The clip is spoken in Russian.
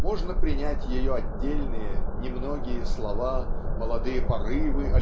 можно принять ее отдельные немногие слова молодые порывы